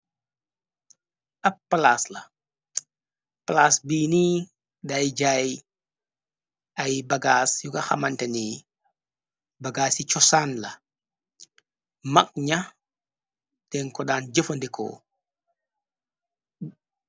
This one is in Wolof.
Ab palaas la, palaas bii ni day jaay ay bagaas yuka xamante ni, bagaas ci cosaan la, mag ña ten ko daan jëfandikoo.